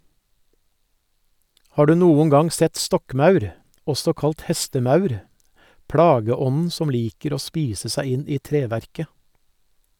Har du noen gang sett stokkmaur, også kalt hestemaur, plageånden som liker å spise seg inn i treverket?